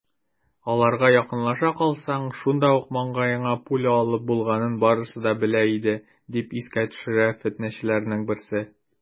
Аларга якынлаша калсаң, шунда ук маңгаеңа пуля алып булганын барысы да белә иде, - дип искә төшерә фетнәчеләрнең берсе.